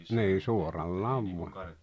niin suorallaan vain